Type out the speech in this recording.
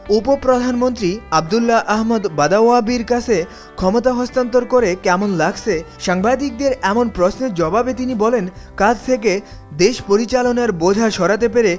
উপপ্রধানমন্ত্রী Abdullah Ahmad বাদাওয়াবীর কাছে ক্ষমতা হস্তান্তর করে কেমন লাগছে সাংবাদিকদের এমন প্রশ্নের জবাবে তিনি বলেন কাঁধ থেকে দেশ পরিচালনার বোঝা সরাতে পেরে